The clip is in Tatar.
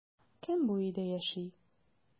Кем бу өйдә яши?